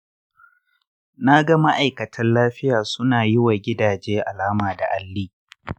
na ga ma’aikatan lafiya suna yi wa gidaje alama da alli.